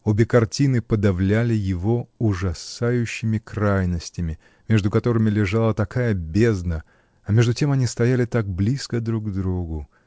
Обе картины подавляли его ужасающими крайностями, между которыми лежала такая бездна, а между тем они стояли так близко друг к другу.